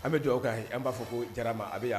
An bɛ jɔ kan an b'a fɔ ko jara ma a bɛ'